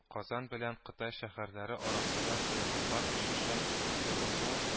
Казан белән Кытай шәһәрләре арасында самолетлар очышын торгызу